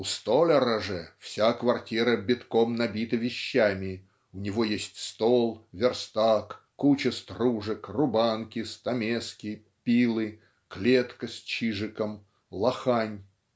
у столяра же вся квартира битком набита вещами у негр есть стол верстак куча стружек рубанки стамески пилы клетка с чижиком лохань. ".